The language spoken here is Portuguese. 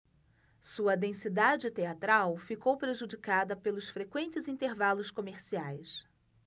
sua densidade teatral ficou prejudicada pelos frequentes intervalos comerciais